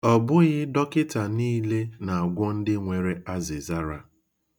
Ọ bụghi dọkịta niile na-agwọ ndị nwere azịzara.